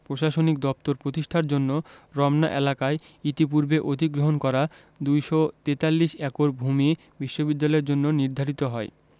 প্রশাসনিক দপ্তর প্রতিষ্ঠার জন্য রমনা এলাকায় ইতিপূর্বে অধিগ্রহণ করা ২৪৩ একর ভূমি বিশ্ববিদ্যালয়ের জন্য নির্ধারিত হয়